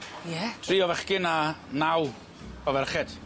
Ie? Tri o fachgyn a naw o ferched.